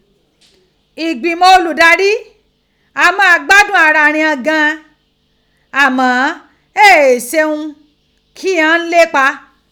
Ìgbìmọ̀ olùdarí a máa gbádùn ara righan gan an, àmọ́ e e ṣe ihun kí ghan ń lépa.